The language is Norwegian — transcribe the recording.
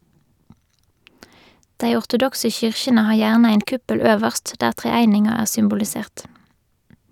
Dei ortodokse kyrkjene har gjerne ein kuppel øverst, der treeininga er symbolisert.